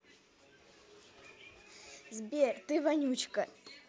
сбер ты вонючка